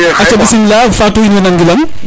aca bismila Fatou in way na gil wang